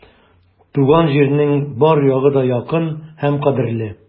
Туган җирнең бар ягы да якын һәм кадерле.